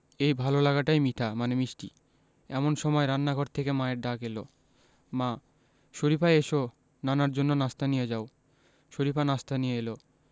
এই ভালো লাগাটাই মিঠা মানে মিষ্টি এমন সময় রান্নাঘর থেকে মায়ের ডাক এলো মা শরিফা এসো নানার জন্য নাশতা নিয়ে যাও শরিফা নাশতা নিয়ে এলো